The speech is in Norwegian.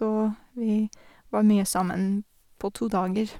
Og vi var mye sammen på to dager.